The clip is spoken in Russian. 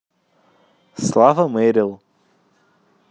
слава мэрил